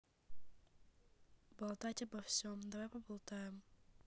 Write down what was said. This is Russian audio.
болтать обо всем давай поболтаем